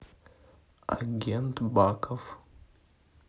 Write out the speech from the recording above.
агент баков